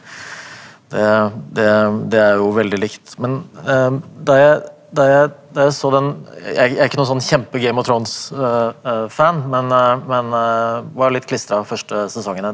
det det det er jo veldig likt men da jeg da jeg da jeg så den jeg jeg ikke noe sånn kjempe Game of Thrones fan men men var litt klistra første sesongene.